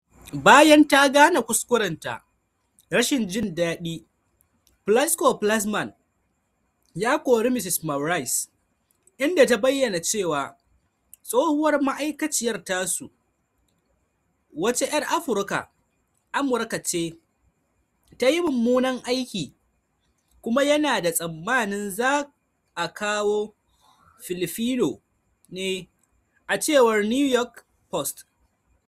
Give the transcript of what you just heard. Bayan ta gane kuskurenta, "rashin jin dadi" Plasco-Flaxman ya kori Ms. Maurice, inda ta bayyana cewa tsohuwar ma’aikaciyar tasu wace yar afuruka-Amurka ce, ta yi mummunan aiki kuma yana da tsammanin za a kawo Filipino ne, a cewar New York Post.